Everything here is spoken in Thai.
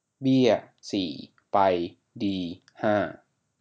เบี้ยสี่ไปดีห้า